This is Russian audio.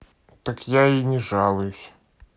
так я и не жалуюсь